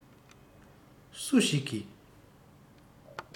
སུ ཞིག གིས